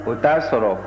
o t'a sɔrɔ